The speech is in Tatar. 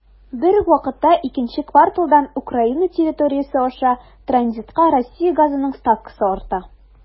Бер үк вакытта икенче кварталдан Украина территориясе аша транзитка Россия газының ставкасы арта.